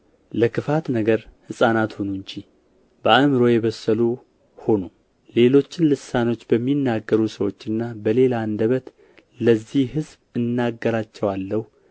ለክፋት ነገር ሕፃናት ሁኑ እንጂ በአእምሮ የበሰሉ ሁኑ ሌሎችን ልሳኖች በሚናገሩ ሰዎችና በሌላ አንደበት ለዚህ ሕዝብ እነግራቸዋለሁ